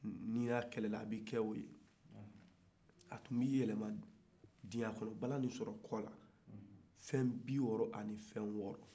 a tun bɛ i yɛlɛma ka i kɛ o ye nga bala nin sɔrɔlen kɔ a tun b'i yɛlɛma k'i kɛ fɛn biwɔɔrɔ a ni fɛn wɔɔrɔ